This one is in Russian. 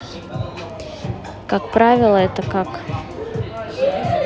как правило это как